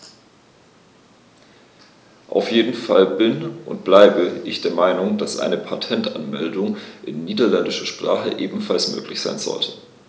Auf jeden Fall bin - und bleibe - ich der Meinung, dass eine Patentanmeldung in niederländischer Sprache ebenfalls möglich sein sollte.